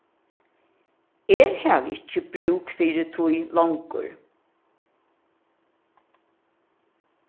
eg havi ikki brúk fyri tí longur